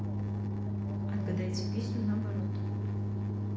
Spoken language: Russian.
отгадайте песню наоборот